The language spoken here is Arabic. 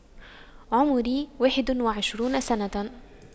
عمري واحد وعشرون سنة